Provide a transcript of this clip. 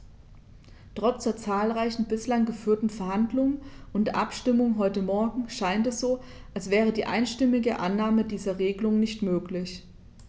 Trotz der zahlreichen bislang geführten Verhandlungen und der Abstimmung heute Morgen scheint es so, als wäre die einstimmige Annahme dieser Regelung nicht möglich.